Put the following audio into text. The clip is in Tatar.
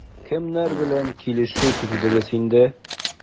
Кемнәр белән килешү төзедегез инде?